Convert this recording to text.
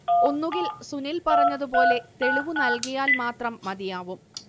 ഒന്നുകിൽ സുനിൽ പറഞ്ഞതുപോലെ തെളിവു നല്കിയാൽ മാത്രം മതിയാവും